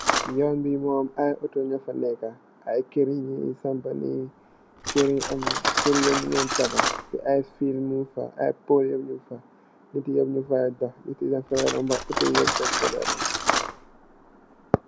Yoon bi mom ay Otto ñu fa neeka, ay kér yuñg ñuy sampa nii, kér yi ñung leen tabax. Ay fiil ñung fa, ay pool ñung fa, nit yi ñung fay dox, nit yi ñung fay romba, otto yi yep dañg fay romba.